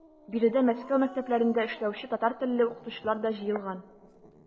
Биредә Мәскәү мәктәпләрендә эшләүче татар телле укытучылар да җыелган.